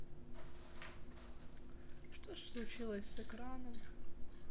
что случилось с экраном